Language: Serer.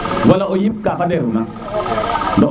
wala o yip ka fade ruuna